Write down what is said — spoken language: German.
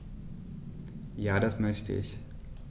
Ja, das möchte ich.